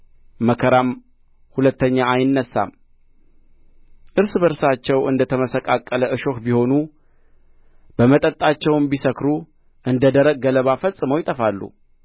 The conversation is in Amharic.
መከራም ሁለተኛ አይነሣም እርስ በእርሳቸው እንደ ተመሰቃቅለ እሾህ ቢሆኑ በመጠጣቸውም ቢሰክሩ እንደ ደረቅ ገለባ ፈጽመው ይጠፋሉ